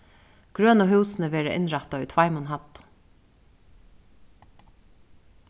grønu húsini verða innrættað í tveimum hæddum